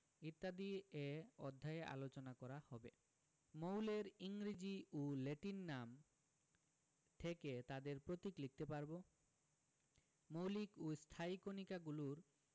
ইত্যাদি এ অধ্যায়ে আলোচনা করা হবে মৌলের ইংরেজি ও ল্যাটিন নাম থেকে তাদের প্রতীক লিখতে পারব মৌলিক ও স্থায়ী কণিকাগুলোর